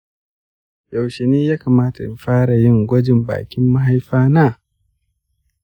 yaushe ya kamata in fara yin gwajin bakin mahaifa na?